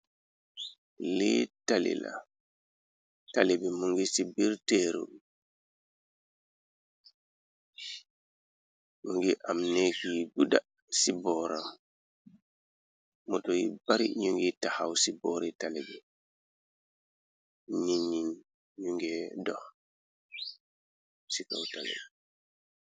Lii talila talibi mungi si birr terrobi mungi am nekyu guda si borram motto yu barri ñingi taxaw si borri talibi nitñi ñingi dokh si kaw talibi.